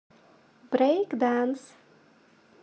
брейк данс